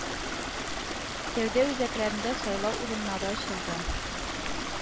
Сәүдә үзәкләрендә сайлау урыннары ачылды